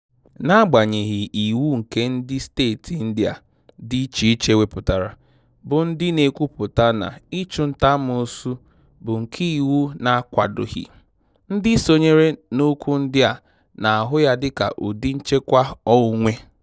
N'agbanyeghị iwu nke ndị steeti India dị iche iche weputara bụ ndị na-ekwupụta na ịchụnta-amoosu bụ nke iwu na-akwadoghị, ndị sonyere n'okwu ndị a na-ahụ ya dịka ụdị nchekwa onwe.